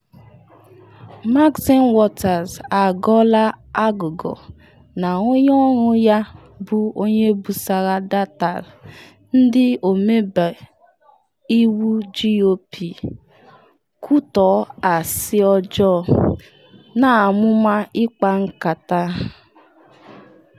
Maxine Waters agọla agụgọ na onye ọrụ ya bụ onye busara data ndị ọmebe iwu GOP, kwutọọ ‘asị ọjọọ’ na ‘amụma ịkpa nkata’